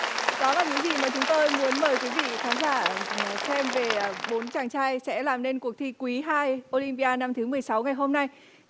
đó là những gì mà chúng tôi muốn mời quý vị khán giả xem về bốn chàng trai sẽ làm nên cuộc thi quý hai ô lim bi a năm thứ mười sáu ngày hôm nay